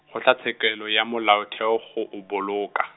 Kgotlatshekelo ya Molaotheo go o boloka.